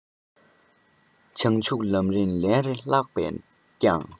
བྱང ཆུབ ལམ རིམ ལན རེ བཀླགས པས ཀྱང